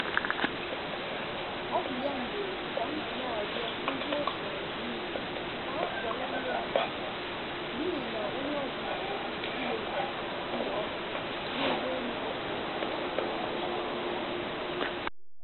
Ọ bụ ya mere m ji arịọ ndị òtù anyị niile ka ha kwanyere ya ùgwù n'ihi na onye ọbụla nwere ike ileghara ụlọ ọbụla n'enweghị nwoke nke bụ (isi ya) anya.